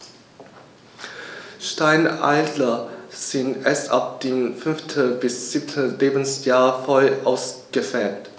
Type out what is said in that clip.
Steinadler sind erst ab dem 5. bis 7. Lebensjahr voll ausgefärbt.